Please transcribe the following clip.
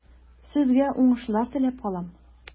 Сезгә уңышлар теләп калам.